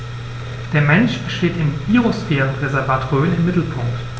Der Mensch steht im Biosphärenreservat Rhön im Mittelpunkt.